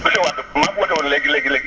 monsieur wade maa fi woote woon léegi léegi